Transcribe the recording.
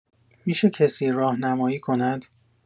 می‌شه کسی راهنمایی کند؟